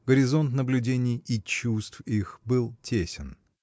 Горизонт наблюдений и чувств их был тесен.